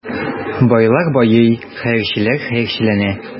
Байлар байый, хәерчеләр хәерчеләнә.